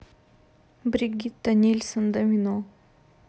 бригитта нильсен домино